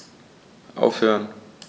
Aufhören.